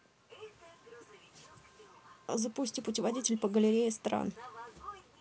запусти путеводитель по галерее стран